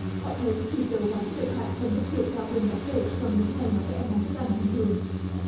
họ thấy chỉ dấu hóa chất độc hại trong nước tiểu cao hơn đáng kể trong những ngày mà các em ăn thức ăn thông thường